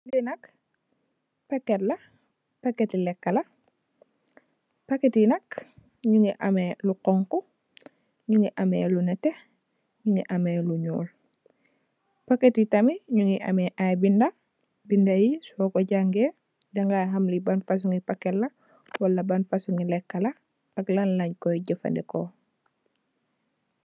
Fi nak pakèt la, pakèt yi lekka la, pakèt yi nak mungi ameh lu honku, nungi ameh lu nètè, ñungi ameh lu ñuul. Pakèt yi tamit nungi ameh ay binda. Binda yi soko jàngay daga hamli ban fasungi pakèt la wala ban fasungi Lekka la ak lan leen koy jafadeko.